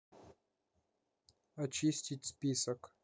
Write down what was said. очистить список